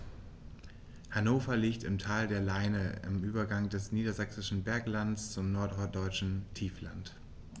Hannover liegt im Tal der Leine am Übergang des Niedersächsischen Berglands zum Norddeutschen Tiefland.